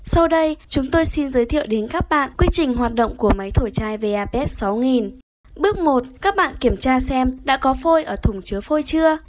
sau đây chúng tôi xin giới thiệu đến các bạn quy trình hoạt động của máy thổi chai vapet bước các bạn kiểm tra xem đã có phôi ở thùng chứa phôi chưa